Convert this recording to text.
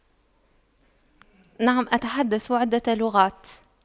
نعم أتحدث عدة لغات